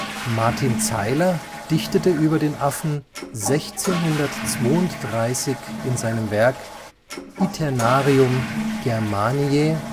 Martin Zeiller dichtete über den Affen 1632 in seinem Werk Itinerarium Germaniae